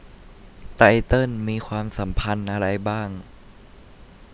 ไตเติ้ลมีความสัมพันธ์อะไรบ้าง